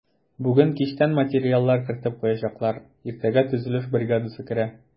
Бүген кичтән материаллар кертеп куячаклар, иртәгә төзелеш бригадасы керә.